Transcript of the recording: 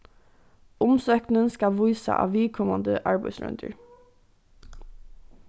umsóknin skal vísa á viðkomandi arbeiðsroyndir